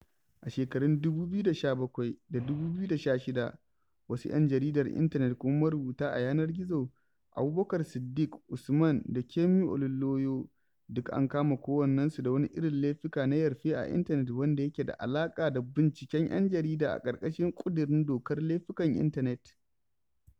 A shekarun 2017 da 2016, wasu 'yan jaridar intanet kuma marubuta a yanar gizo, Abubakar Sidiƙ Usman da Kemi Olunloyo duk an kama kowannensu da wasu irin laifuka na yarfe a intanet wanda yake da alaƙa da binciken 'yan jarida a ƙarƙashin ƙudurin dokar laifukan intanet.